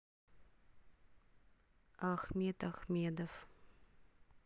ахмед ахмедов